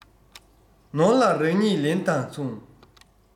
ནོར ལ རང ཉིད ལེན པ འདྲ